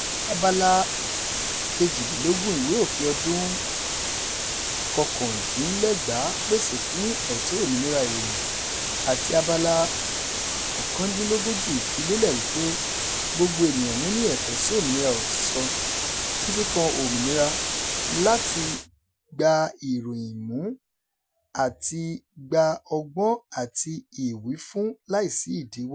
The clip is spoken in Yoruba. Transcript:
Abala 22 ìwé òfin ọdún 1999 pèsè fún ẹ̀tọ́ òmìnira ìròyìn àti Abala 39 fi lélẹ̀ wípé "gbogbo ènìyàn ni ó ní ẹ̀tọ́ sí òmìnira ọ̀rọ̀ sísọ, títí kan òmìnira láti gbá ìròyìn mú àti gba ọgbọ́n àti ìwífun láì sí ìdíwọ́..."